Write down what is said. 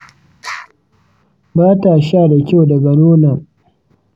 ba ta sha da kyau daga nonon.